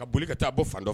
Ka boli ka taa bɔ fan dɔn